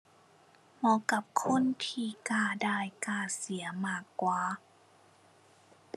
เหมาะกับคนที่กล้าได้กล้าเสียมากกว่า